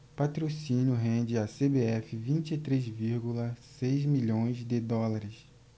patrocínio rende à cbf vinte e três vírgula seis milhões de dólares